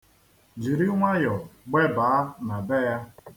Jiri nwayọọ gbebaa na be ya.